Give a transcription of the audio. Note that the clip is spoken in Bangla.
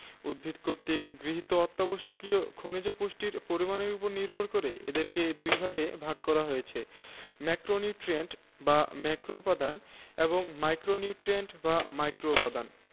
উদ্ভিদ কর্তৃক গৃহীত অত্যাবশ্যকীয় খনিজ পুষ্টির পরিমাণের উপর ভিত্তি করে এদেরকে দুইভাগে ভাগ করা হয়েছে ম্যাক্রোনিউট্রিয়েন্ট বা ম্যাক্রোউপাদান এবং মাইক্রোনিউট্রিয়েন্ট বা মাইক্রোউপাদান